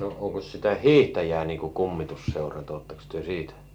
onkos sitä hiihtäjää niin kuin kummitus seurannut oletteko te siitä